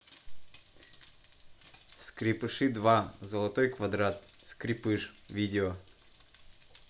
скрепыши два золотой квадрат скрепыш видео